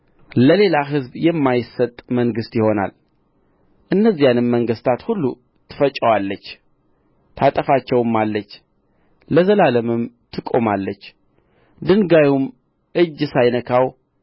ለሌላ ሕዝብም የማይሰጥ መንግሥት ይሆናል እነዚያንም መንግሥታት ሁሉ ትፈጫቸዋለች ታጠፋቸውማለች ለዘላለምም ትቆማለች ድንጋዩም እጅ ሳይነካው